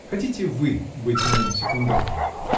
Хотите вы быть моим секундантом?